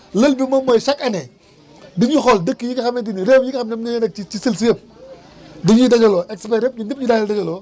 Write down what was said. lël bi moom mooy chaque année dañuy xool dëkk yi nga xamante ni réew yi nga xam ne ñoom ñoo nekk ci CILS yëpp dañuy dajaloo experts yëpp ñun ñëpp ñu daal di dajaloo